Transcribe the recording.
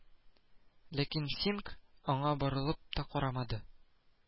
Ләкин Синг аңа борылып та карамады